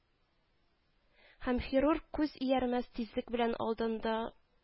Һәм хирург күз иярмәс тизлек белән алдында